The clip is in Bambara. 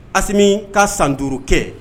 A k'a san duuru kɛ